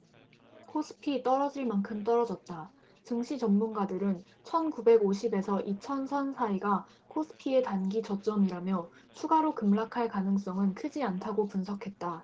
코스피 떨어질 만큼 떨어졌다증시 전문가들은 천 구백 오십 에서 이천 선 사이가 코스피의 단기 저점이라며 추가로 급락할 가능성은 크지 않다고 분석했다